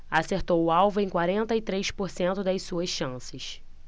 acertou o alvo em quarenta e três por cento das suas chances